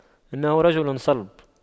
إنه رجل صلب